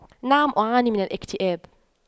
نعم أعاني من الاكتئاب